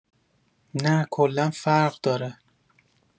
نه کلا فرق داره